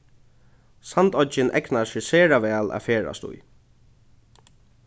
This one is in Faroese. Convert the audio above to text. sandoyggin egnar seg sera væl at ferðast í